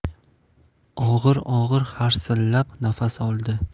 og'ir og'ir harsillab nafas oldi